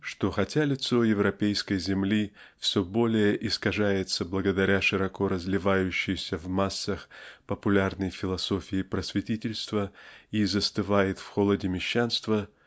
что хотя лицо европейской земли все более искажается благодаря широко разливающейся в массах популярной философии просветительства и застывает в холоде мещанства